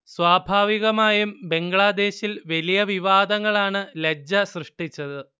സ്വാഭാവികമായും ബംഗ്ലാദേശിൽ വലിയ വിവാദങ്ങളാണ് ലജ്ജ സൃഷ്ടിച്ചത്